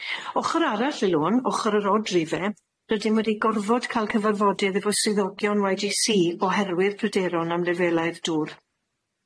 Ochor arall y lôn, ochor yr odrife, rydym wedi gorfod ca'l cyfarfodydd efo swyddogion Wai Ji Si oherwydd pryderon am lefelau'r dŵr.